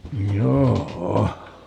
joo